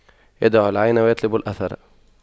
يدع العين ويطلب الأثر